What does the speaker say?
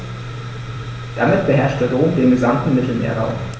Damit beherrschte Rom den gesamten Mittelmeerraum.